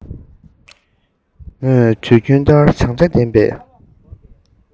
མོས དུས རྒྱུན ལྟར བྱང ཆ ལྡན པའི